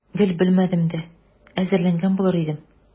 Гел белмәдем дә, әзерләнгән булыр идем.